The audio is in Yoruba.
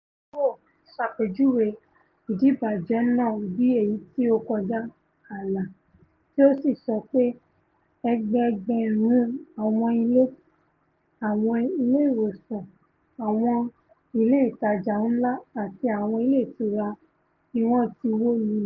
Nugroho ṣàpèjúwe ìdibàjẹ́ náà bíi èyití ''ó kọjá ààlà'' tí ó sì sọ pé ẹgbẹ-ẹgbẹ̀rún àwọn ilé, àwọn ilé-ìwòsàn, àwọn ilé ìtaja ńlá àti àwọn ilé-ìtura niwọ́n ti wó lulẹ̀.